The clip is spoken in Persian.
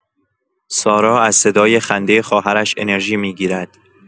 سارا از صدای خنده خواهرش انرژی می‌گیرد.